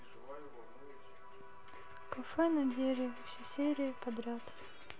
кафе на дереве все серии подряд